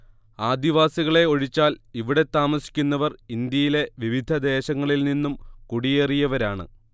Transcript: ആദിവാസികളെ ഒഴിച്ചാൽ ഇവിടെ താമസിക്കുന്നവർ ഇന്ത്യയിലെ വിവിധ ദേശങ്ങളിൽ നിന്നും കുടിയേറിയവരാണ്